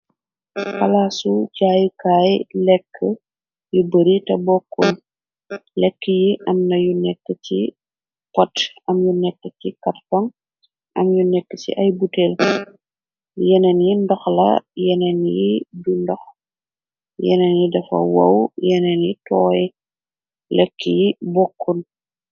xalaasu jaayukaay lekk yu bari te bokkoon lekk yi am na yu nekk ci pot am yu nekk ci karfoŋ am yu nekk ci ay buteel yeneen yi ndox la yeneen yi du ndox yeneen yi dafa woow yeneen yi tooy lekk yi bokkoon